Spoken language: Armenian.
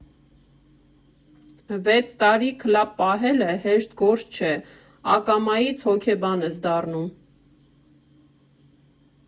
Վեց տարի քլաբ պահելը հեշտ գործ չէ, ակամայից հոգեբան ես դառնում։